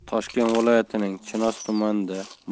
toshkent viloyatining chinoz tumanida